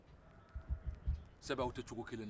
sabu anw tɛ jogo kelen na